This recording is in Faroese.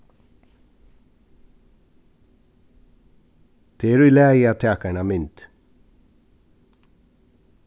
tað er í lagi at taka eina mynd